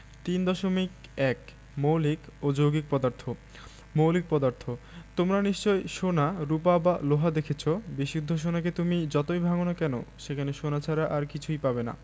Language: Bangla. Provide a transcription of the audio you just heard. ৩.১ মৌলিক ও যৌগিক পদার্থঃ মৌলিক পদার্থ তোমরা নিশ্চয় সোনা রুপা বা লোহা দেখেছ বিশুদ্ধ সোনাকে তুমি যতই ভাঙ না কেন সেখানে সোনা ছাড়া আর কিছু পাবে না